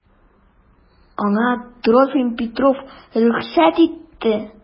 Аңа Трофим Петров рөхсәт итте.